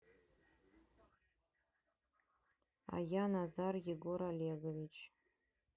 а я назар егор олегович